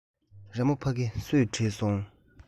རི མོ ཕ གི སུས བྲིས སོང